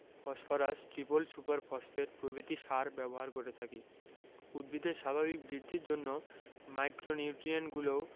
phosphorus triple super phosphate প্রভৃতি সার ব্যবহার করে থাকি উদ্ভিদের স্বাভাবিক বৃদ্ধির জন্য মাইক্রোনিউট্রিয়েন্টগুলোও